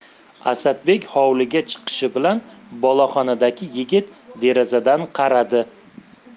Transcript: asadbek hovliga chiqishi bilan boloxonadagi yigit derazadan qaradi